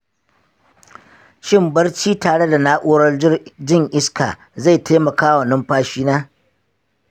shin barci tare da na'urar jin iska zai taimaka wa numfashina?